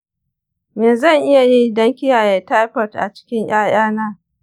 me zan iya yi don kiyaye taifoid a cikin ƴaƴana ?